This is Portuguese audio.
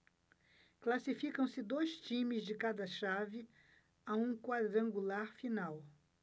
classificam-se dois times de cada chave a um quadrangular final